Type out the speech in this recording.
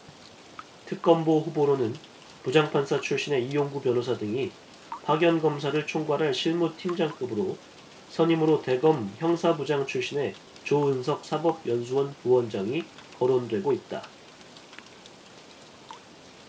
특검보 후보로는 부장판사 출신의 이용구 변호사 등이 파견검사를 총괄할 실무 팀장급 선임으로 대검 형사부장 출신의 조은석 사법연수원 부원장이 거론되고 있다